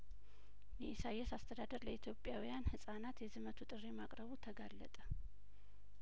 የኢሳያስ አስተዳደር ለኢትዮጵያዊያን ህጻናት የዝመቱ ጥሪ ማቅረቡ ተጋለጠ